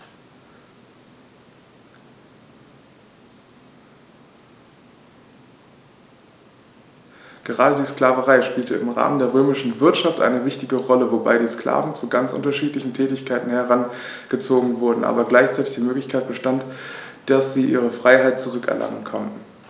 Gerade die Sklaverei spielte im Rahmen der römischen Wirtschaft eine wichtige Rolle, wobei die Sklaven zu ganz unterschiedlichen Tätigkeiten herangezogen wurden, aber gleichzeitig die Möglichkeit bestand, dass sie ihre Freiheit zurück erlangen konnten.